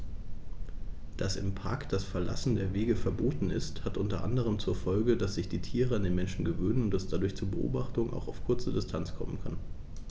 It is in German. Dass im Park das Verlassen der Wege verboten ist, hat unter anderem zur Folge, dass sich die Tiere an die Menschen gewöhnen und es dadurch zu Beobachtungen auch auf kurze Distanz kommen kann.